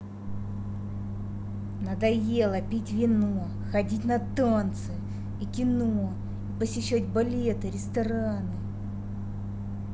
надоело пить вино ходить на танцы и кино и посещать балеты рестораны